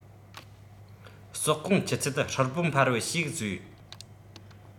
ཟོག གོང ཆུ ཚད ཧྲིལ པོ འཕར བའི ཞིག བཟོས